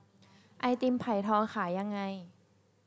ไอติมไผ่ทองขายยังไง